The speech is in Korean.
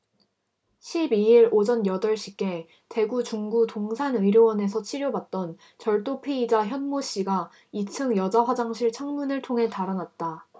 십 이 일 오전 여덟 시께 대구 중구 동산의료원에서 치료받던 절도 피의자 현모씨가 이 층 여자 화장실 창문을 통해 달아났다